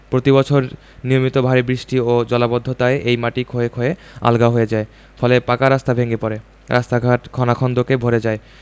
প্রতিবছর নিয়মিত ভারি বৃষ্টি ও জলাবদ্ধতায় এই মাটি ক্ষয়ে ক্ষয়ে আলগা হয়ে যায় ফলে পাকা রাস্তা ভেঙ্গে পড়ে রাস্তাঘাট খনাখন্দকে ভরে যায়